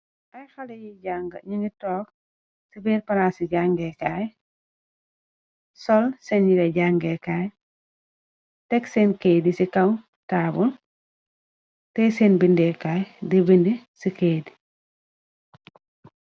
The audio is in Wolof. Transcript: Ay xalèh yi janga ñi ngi tóóg ci biir palaasi ci jangèè kay sol sèèn yirèh jangèè kay teg sèèn kayit yi ci kaw tabull teg sèèn bindéekaay di bindé di bindé ci kayit yi.